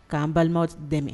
Ka an balimaw dɛmɛ